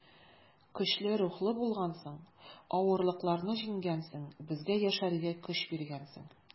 Көчле рухлы булгансың, авырлыкларны җиңгәнсең, безгә яшәргә көч биргәнсең.